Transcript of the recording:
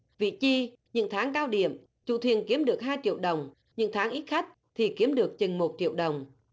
vị chi những tháng cao điểm chủ thuyền kiếm được hai triệu đồng những tháng ít khách thì kiếm được chừng một triệu đồng